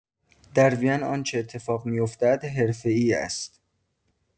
در وین آنچه اتفاق می‌افتد، حرفه‌ای است.